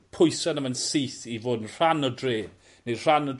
pwyse ano fe'n syth i fod 'n rhan o drên neu rhan o